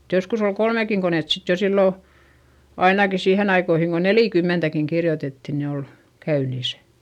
että joskus oli kolmekin konetta sitten jo silloin ainakin siihen aikoihin kun neljäkymmentäkin kirjoitettiin niin oli käynnissä